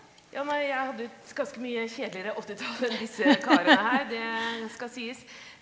ja nei jeg hadde jo et ganske mye kjedeligere åttitall enn disse karene her, det skal sies.